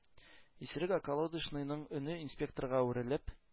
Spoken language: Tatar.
Исерек околодочныйның өне инспекторга әверелеп: